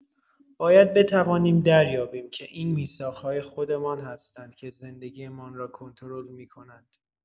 باید بتوانیم دریابیم که این میثاق‌های خودمان هستند که زندگی‌مان را کنترل می‌کنند.